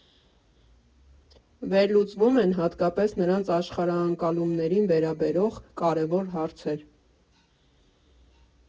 Վերլուծվում են հատկապես նրանց աշխարհընկալումներին վերաբերող կարևոր հարցեր։